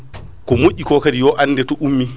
ko moƴƴi ko kaadi yo ande to ummi